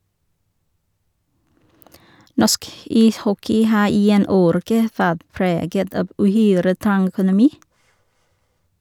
Norsk ishockey har i en årrekke vært preget av uhyre trang økonomi.